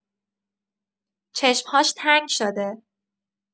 چشم‌هاش تنگ شده.